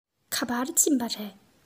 ག པར ཕྱིན པ རེད